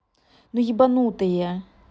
ну ебанутые